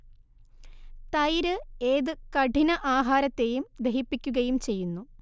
തൈര് ഏത് കഠിന ആഹാരത്തെയും ദഹിപ്പിക്കുകയും ചെയ്യുന്നു